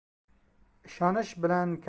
ishonish bilan kasal